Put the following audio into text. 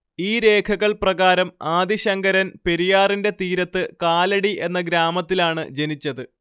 ഈ രേഖകള്‍ പ്രകാരം ആദി ശങ്കരന്‍ പെരിയാറിന്റെ തീരത്ത് കാലടി എന്ന ഗ്രാമത്തിലാണ് ജനിച്ചത്